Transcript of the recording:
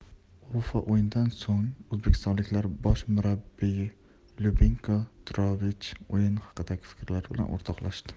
o'fao'yindan so'ng o'zbekistonliklar bosh murabbiyi lyubinko drulovich o'yin haqidagi fikrlari bilan o'rtoqlashdi